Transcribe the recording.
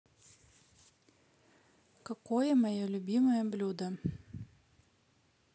какое мое любимое блюдо